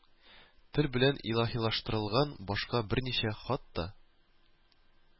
Тел белән илаһилаштырган башка берничә хат та